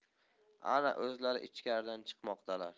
ana o'zlari ichkaridan chiqmoqdalar